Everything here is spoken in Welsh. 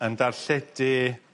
yn darlledu